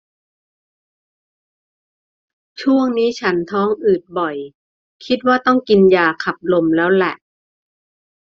ช่วงนี้ฉันท้องอืดบ่อยคิดว่าต้องกินยาขับลมแล้วล่ะ